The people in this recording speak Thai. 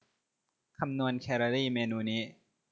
คำนวณแคลอรี่เมนูนี้